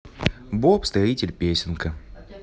боб строитель песенка